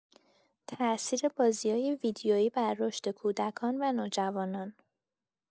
تاثیر بازی‌های ویدئویی بر رشد کودکان و نوجوانان